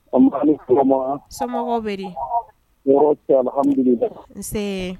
aw ni sɔgɔma somɔgɔw bɛ di tɔrɔ tɛ ye alhamdulila un see